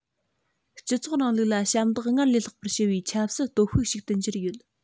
སྤྱི ཚོགས རིང ལུགས ལ ཞབས འདེགས སྔར ལས ལྷག པར ཞུ བའི ཆབ སྲིད སྟོབས ཤུགས ཤིག ཏུ གྱུར ཡོད